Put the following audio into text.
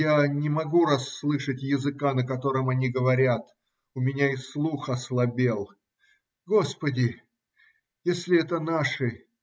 Я не могу расслышать языка, на котором они говорят: у меня и слух ослабел. Господи! Если это наши.